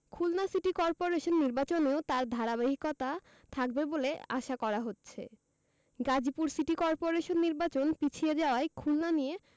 Khulna city corporation নির্বাচনেও তার ধারাবাহিকতা থাকবে বলে আশা করা হচ্ছে গাজীপুর সিটি করপোরেশন নির্বাচন পিছিয়ে যাওয়ায় খুলনা নিয়ে